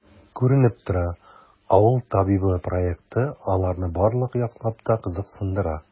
Күренеп тора,“Авыл табибы” проекты аларны барлык яклап та кызыксындыра.